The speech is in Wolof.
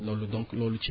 loolu donc loolu ci